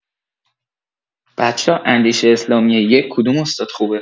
بچه‌ها اندیشه اسلامی ۱ کدوم استاد خوبه؟